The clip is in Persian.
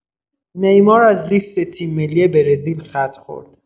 نیمار از لیست تیم‌ملی برزیل خط خورد!